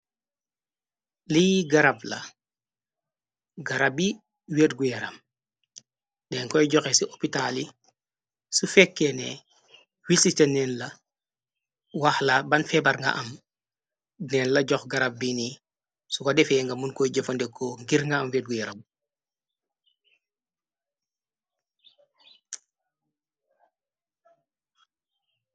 Lii garab la garabi werr gu yaram den koy joxe ci opitaal li su fekkeene wisite neen la waxla ban febar nga am deen la jox garab biini su ko defee nga mun koy jëfandekkoo ngir nga am weergu yaram.